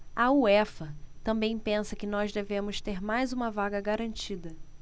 a uefa também pensa que nós devemos ter mais uma vaga garantida